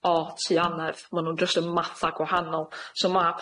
o tŷ annerth ma' nw'n jyst yn mata' gwahanol so ma'